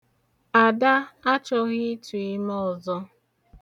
Ada achọghị itụ ime ọzọ.